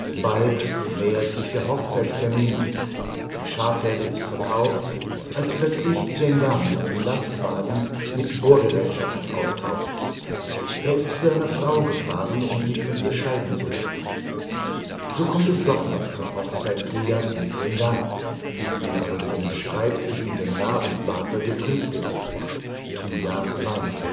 Bald nähert sich der Hochzeitstermin, die Schafherde ist verkauft, als plötzlich Sen'ge mit einem Lastwagen mit Bohrgerätschaften auftaucht. Er ist zu seiner Frau gefahren, um sich von ihr scheiden zu lassen. So kommt es doch noch zur Hochzeit Tuyas mit Sen'ge – die aber durch einen Streit zwischen Sen'ge und Bater getrübt ist. Tuya weint